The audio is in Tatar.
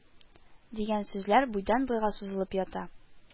Дигән сүзләр буйдан-буйга сузылып ята